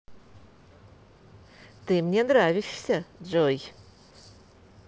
ты мне нравишься джой